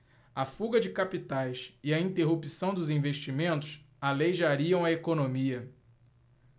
a fuga de capitais e a interrupção dos investimentos aleijariam a economia